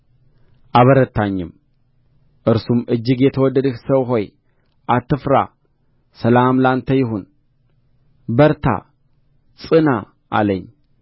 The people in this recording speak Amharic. አበረታኝም እርሱም እጅግ የተወደድህ ሰው ሆይ አትፍራ ሰላም ለአንተ ይሁን በርታ ጽና አለኝ